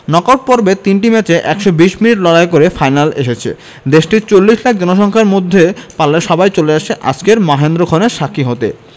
knock out পর্বের তিনটি ম্যাচে ১২০ মিনিট লড়াই করে ফাইনালে এসেছে দেশটির ৪০ লাখ জনসংখ্যার মধ্যে পারলে সবাই চলে আসে আজকের মাহেন্দ্রক্ষণের সাক্ষী হতে